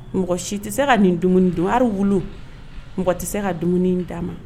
Mɔgɔ si tɛ se ka nin dumuni don wari wolo mɔgɔ tɛ se ka dumuni d'a ma